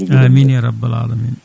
amine ya rabbal alamina